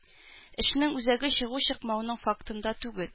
Эшнең үзәге чыгу-чыкмауның фактында түгел.